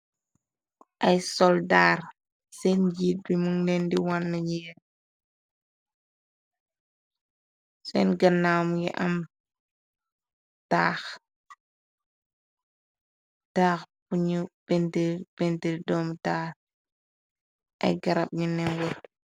Ay soldaar, seen jiit bi mu leen di wànn, yir seen gannaam yi am taax, bu ñu pintir doomu taar, ay garab ñu nem wër.